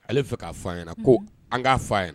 Ale fɛ k'a fɔ a ɲɛna ko an k'a fɔ ɲɛna